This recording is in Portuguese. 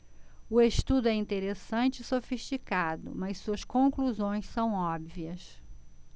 o estudo é interessante e sofisticado mas suas conclusões são óbvias